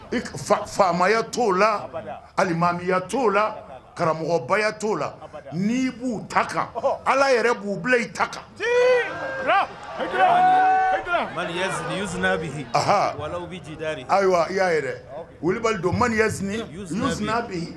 Faamaya t'o la alilimamiya t'o la karamɔgɔbaya t'o la ni b'u ta kan ala yɛrɛ b'u bila i ta kan ayiwa i y'a yɛrɛ kulubali don manya zina